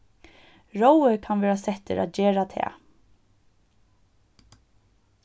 rói kann verða settur at gera tað